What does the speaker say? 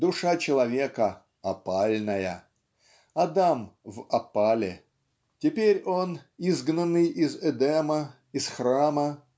Душа человека - "опальная"; Адам - в опале; теперь он. изгнанный из Эдема из храма